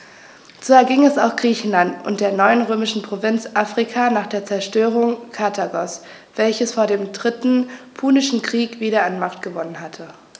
So erging es auch Griechenland und der neuen römischen Provinz Afrika nach der Zerstörung Karthagos, welches vor dem Dritten Punischen Krieg wieder an Macht gewonnen hatte.